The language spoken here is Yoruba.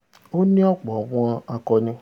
Ó ní ọ̀pọ̀ àwọn akọni.